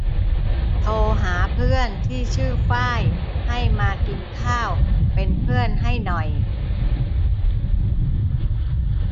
โทรหาเพื่อนที่ชื่อฝ้ายให้มากินข้าวเป็นเพื่อนให้หน่อย